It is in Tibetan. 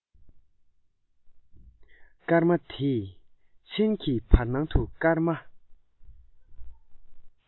སྐར མ དེས མཚན གྱི བར སྣང དུ སྐར མ